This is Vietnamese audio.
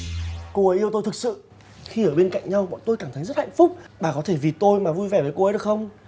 cô ấy yêu tôi thực sự khi ở bên cạnh nhau bọn tôi cảm thấy rất hạnh phúc bà có thể vì tôi mà vui vẻ với cô ấy được không